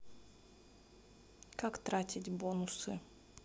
как тратить бонусы